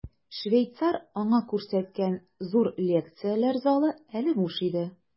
Швейцар аңа күрсәткән зур лекцияләр залы әле буш иде.